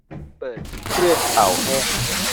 เปิดเครื่องเป่าแห้ง